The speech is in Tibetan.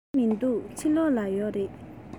མི འདུག ཕྱི ལོགས ལ ཡོད རེད